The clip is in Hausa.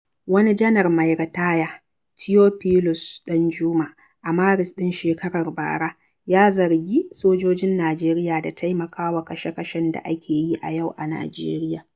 Wani janar mai ritaya, Theophilus ɗanjuma, a Maris ɗin shekarar bara ya zargi "sojojin Najeriya da taimakawa kashe-kashen da ake yi a yau a Najeriya".